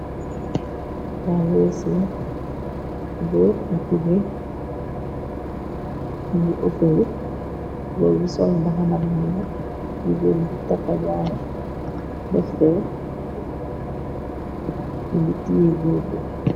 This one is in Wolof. Yaa ngee seen góor ak jigeen ñu ngi asobi, goor gi sol mbaxana bu ñuul jigéen ji takka jaaru mu ngi tiye goor bi.